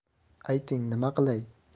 ayting nima qilay